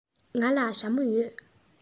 ང ལ ཞྭ མོ ཡོད